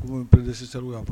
Ko peretesi se'o